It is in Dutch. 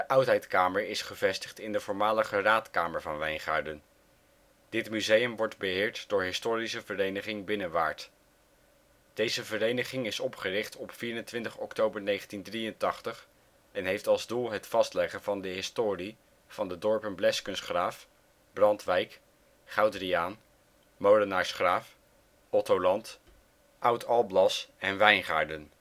Oudheidkamer is gevestigd in de voormalige raadkamer van Wijngaarden. Dit museum wordt beheerd door Historische Vereniging Binnenwaard. Deze vereniging is opgericht op 24 oktober 1983 en heeft als doel het vastleggen van de historie van de dorpen Bleskensgraaf, Brandwijk, Goudriaan, Molenaarsgraaf, Ottoland, Oud-Alblas en Wijngaarden